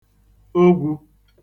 ogwū